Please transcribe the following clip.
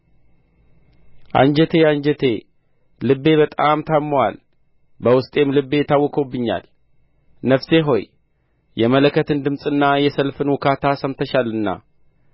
አንጀቴ አንጀቴ ልቤ በጣም ታምሞአል በውስጤም ልቤ ታውኮብኛል ነፍሴ ሆይ የመለከትን ድምፅና የሰልፍን ውካታ ሰምተሻልና